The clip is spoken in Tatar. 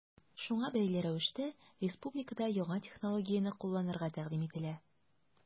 Шуңа бәйле рәвештә республикада яңа технологияне кулланырга тәкъдим ителә.